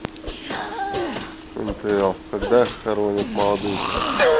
ntl когда хоронят молодых